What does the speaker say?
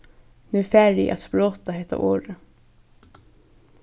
nú fari eg at sprota hetta orðið